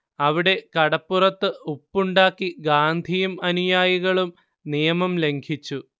അവിടെ കടപ്പുറത്ത് ഉപ്പുണ്ടാക്കി ഗാന്ധിയും അനുയായികളും നിയമം ലംഘിച്ചു